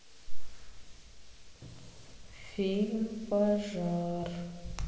фильм пожар